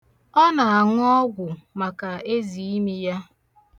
Ọ na-aṅụ ọgwụ maka eziimi ya.